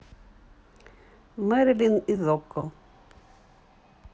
marilyn из okko